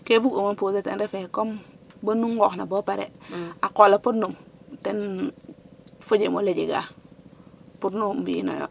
kee buguma poser ten refu ye comme bo nu nqooxna bo pare a qool a podnum ten fo jem ole jega pour nu mbi'inooyo